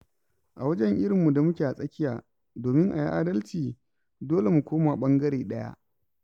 A wajen irinmu da muke a tsakiya, domin a yi adalci, dole mu koma ɓangare ɗaya.